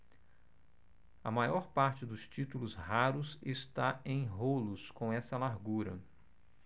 a maior parte dos títulos raros está em rolos com essa largura